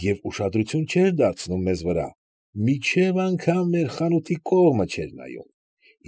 Եվ ուշադրություն չէր դարձնում մեզ վրա, մինչև անգամ մեր խանութի կողմը չէր նայում։